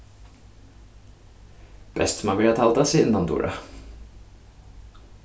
best man vera at halda seg innandura